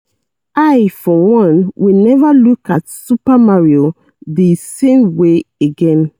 I, for one, will never look at Super Mario the same way again.